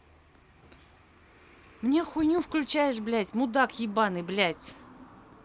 мне хуйню включаешь блядь мудак ебаный блядь